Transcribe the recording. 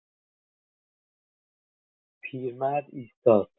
پیرمرد ایستاد.